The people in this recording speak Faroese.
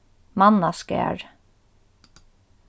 mannaskarð